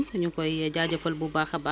sànq yaa ngi koy wax si sa ndorteel